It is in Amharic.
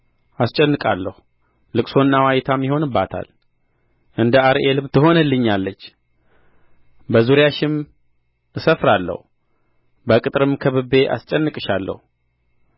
አስጨንቃለሁ ልቅሶና ዋይታም ይሆንባታል እንደ አርኤልም ትሆንልኛለች በዙሪያሽም እሰፍራለሁ በቅጥርም ከብቤ አስጨንቅሻለሁ